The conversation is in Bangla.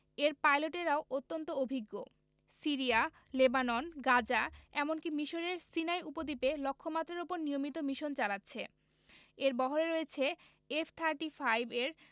এর পাইলটেরাও অত্যন্ত অভিজ্ঞ সিরিয়া লেবানন গাজা এমনকি মিসরের সিনাই উপদ্বীপে লক্ষ্যমাত্রার ওপর নিয়মিত মিশন চালাচ্ছে এর বহরে রয়েছে এফ থার্টি ফাইভ এর